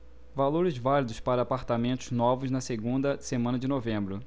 valores válidos para apartamentos novos na segunda semana de novembro